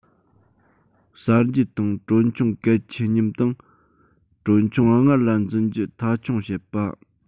གསར འབྱེད དང གྲོན ཆུང གལ ཆེ མཉམ དང གྲོན ཆུང སྔོན ལ འཛིན རྒྱུ མཐའ འཁྱོངས བྱེད པ